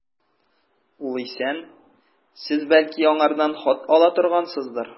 Ул исән, сез, бәлки, аңардан хат ала торгансыздыр.